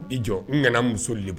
I jɔ n kana muso de bolo